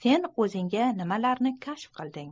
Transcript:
sen ozingga nimalarni kashf qilding